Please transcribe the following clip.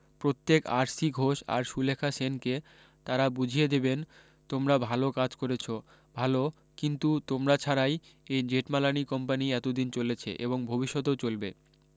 প্রত্যেক R C Ghosh আর সুলেখা সেনকে তারা বুঝিয়ে দেবেন তোমরা ভালো কাজ করেছ ভালো কিন্তু তোমরা ছাড়াই এই জেঠমালানি কোম্পানী এতদিন চলেছে এবং ভবিষ্যতেও চলবে